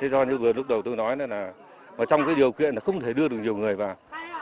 thế do như lúc đầu tôi nói là và trong cái điều kiện là không thể đưa được nhiều người vào